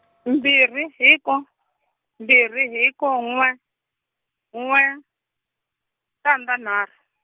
mbirhi hiko , mbirhi hiko n'we, n'we, tandza nharhu.